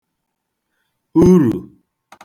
urù